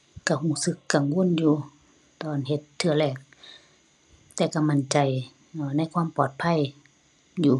ก็ก็สึกกังวลอยู่ตอนเฮ็ดเทื่อแรก แต่ก็มั่นใจ อ่า ในความปลอดภัยอยู่